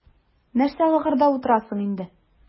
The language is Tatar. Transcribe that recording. Нәрсә лыгырдап утырасың инде.